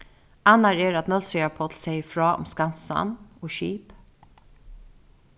annar er at nólsoyar páll segði frá um skansan og skip